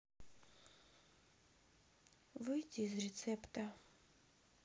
выйти из рецепта